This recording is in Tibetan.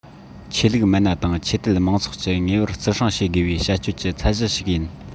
ཆོས ལུགས མི སྣ དང ཆོས དད མང ཚོགས ཀྱིས ངེས པར བརྩི སྲུང བྱེད དགོས པའི བྱ སྤྱོད ཀྱི ཚད གཞི ཞིག ཡིན